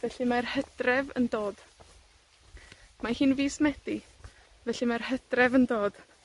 Felly mae'r Hydref yn dod. Mae hi'n fis Medi, felly mae'r Hydref yn dod.